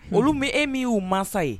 Olu bɛ e min y'o masa ye